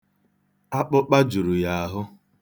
Akpụkpa juru ya ahụ.̣